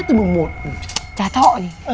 từ mùng một chả thọ gì